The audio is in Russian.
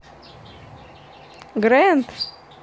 grand